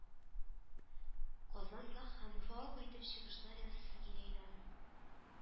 Казанга һәм Уфага кайтып чыгышлар ясыйсы килә иде аның